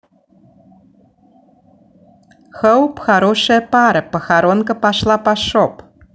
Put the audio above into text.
hope хорошая пара похоронка пошла по shop